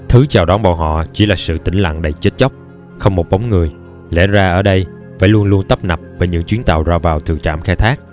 thứ chào đón bọn họ chỉ là sự tĩnh lặng đầy chết chóc không một bóng người lẽ ra ở đây phải luôn luôn tấp nập bởi những chuyến tàu ra vào từ dưới trạm khai thác